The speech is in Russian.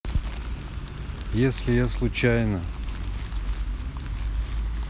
если я случайно